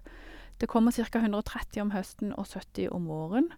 Det kommer cirka hundre og tretti om høsten og sytti om våren.